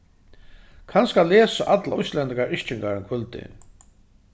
kanska lesa allir íslendingar yrkingar um kvøldið